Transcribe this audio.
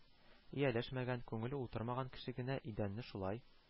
Ияләшмәгән, күңеле утырмаган кеше генә идәнне шулай